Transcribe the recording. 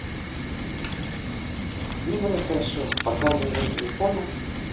мне было хорошо пока у моего телефона